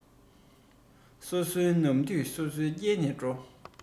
སོ སོའི ནམ དུས སོ སོས བསྐྱལ ནས འགྲོ